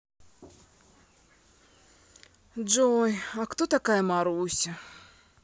джой а кто такая маруся